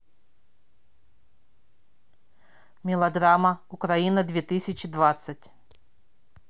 мелодрама украина две тысячи двадцать